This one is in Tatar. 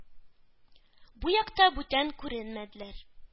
Бу якта бүтән күренмәделәр.